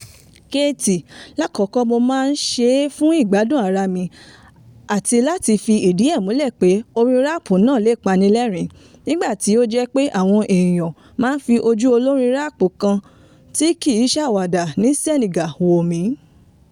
Keyti: lákọ̀kọ́ọ̀ mo máa ń ṣe é fún ìgbádùn ara mi àti láti fi ìdí ẹ̀ múlẹ̀ pé orin ráàpù náà lè pani lẹ́rìn-ín, nígbà tó jẹ́ pé àwọn èèyan máa ń fi ojú olórin ráàpù kan tí kìí ṣàwàdà ní Senegal wò mí.